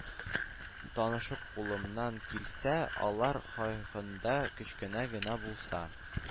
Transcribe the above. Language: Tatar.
Танышып, кулымнан килсә, алар хакында кечкенә генә булса